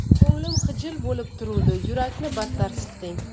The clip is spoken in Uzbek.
ko'nglim xijil bo'lib turuvdi yurakni battar siqding